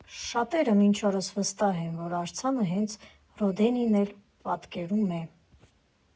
Շատերը մինչ օրս վստահ են, որ արձանը հենց Ռոդենին էլ պատկերում է։